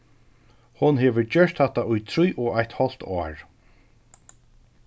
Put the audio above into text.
hon hevur gjørt hatta í trý og eitt hálvt ár